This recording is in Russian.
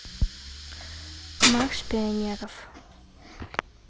марш пионеров